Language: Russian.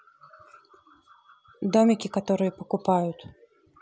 домики которые покупают